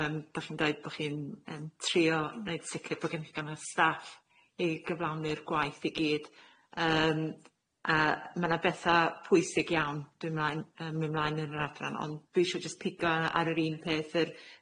Yym dach chi'n deud bo' chi'n yn trio neud sicir bo' gen chi digon o yy staff i gyflawni'r gwaith i gyd yym a ma' na betha pwysig iawn dwi mlaen yy myn' mlaen yn yr adran ond dwi isio jyst pigo ar yr un peth yr